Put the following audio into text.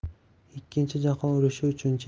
ikkinchi jahon urushi uchinchi